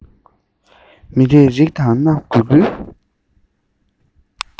མིག རིག རིག དང སྣ འགུལ འགུལ